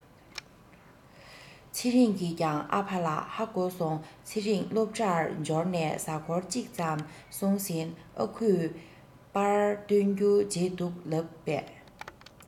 ཚེ རིང གིས ཀྱང ཨ ཕ ལ ཧ གོ སོང ཚེ རིང སློབ གྲྭར འབྱོར ནས གཟའ འཁོར གཅིག ཙམ སོང ཟིན ཨ ཁུས པར བཏོན རྒྱུ བརྗེད འདུག ལབ པས